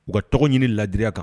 U ka tɔgɔ ɲini laadiriya kan